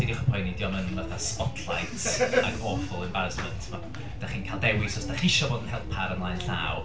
Peidiwch â poeni, dydy o ddim yn, fatha, spotlight ac awful embarrassment. Dach chi'n cael dewis os dach chi isio bod yn helper ymlaen llaw...